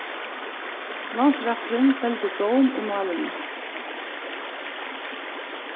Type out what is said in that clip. landsrætturin feldi dóm í málinum